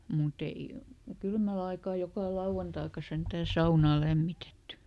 mutta ei kylmällä aikaa joka lauantaikaan sentään saunaa lämmitetty